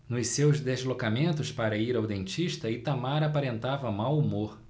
nos seus deslocamentos para ir ao dentista itamar aparentava mau humor